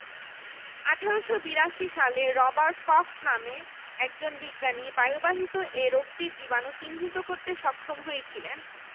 ১৮৮২ সালে Robert Cox নামে একজন বিজ্ঞানী বায়ুবাহিত এ রোগটির জীবাণু চিহ্নিত করতে সক্ষম হয়েছিলেন